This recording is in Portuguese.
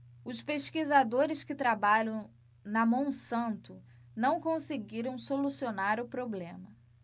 os pesquisadores que trabalham na monsanto não conseguiram solucionar o problema